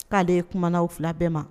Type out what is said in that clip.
K'aale ye kuma fila bɛɛ ma